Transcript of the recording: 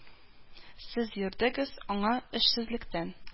Сез йөрдегез аңа эшсезлектән